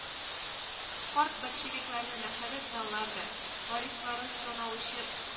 Карт большевикларны мәһабәт заллар да, варислары саналучы